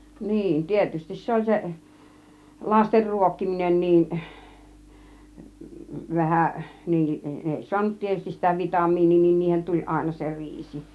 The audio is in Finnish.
niin tietysti se oli se lasten ruokkiminen niin vähän niin ne ei saanut tietysti sitä vitamiinia niin niihin tuli aina se riisi